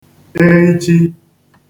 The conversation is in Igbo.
eichi